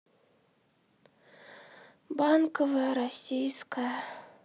банковая российская